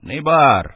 Ни бар,